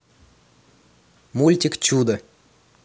мультик чудо